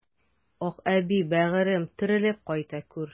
Акъәби, бәгырем, терелеп кайта күр!